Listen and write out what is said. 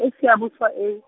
eSiyabuswa eyi- .